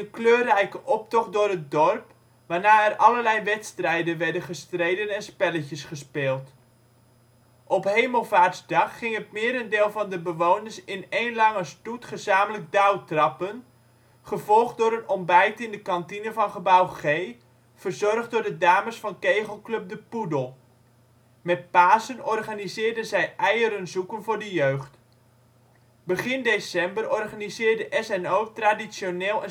kleurrijke optocht door het dorp, waarna er allerlei wedstrijden werden gestreden en spelletjes gespeeld. Op Hemelvaartsdag ging het merendeel van de bewoners in één lange stoet gezamenlijk dauwtrappen, gevolgd door een ontbijt in de kantine van Gebouw G, verzorgd door de dames van kegelclub De Poedel. Met Pasen organiseerden zij eieren zoeken voor de jeugd. Begin december organiseerde S&O traditioneel